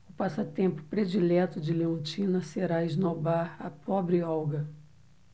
o passatempo predileto de leontina será esnobar a pobre olga